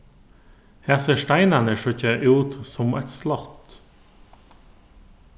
hasir steinarnir síggja út sum eitt slott